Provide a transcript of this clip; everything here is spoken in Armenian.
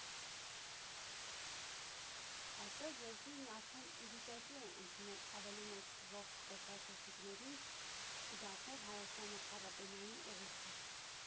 Այսօր երկիրն արդեն ի վիճակի է ընդունել ավելի մեծ թվով զբոսաշրջիկների հոսք ու դարձնել Հայաստանը փառատոնային ուղղություն։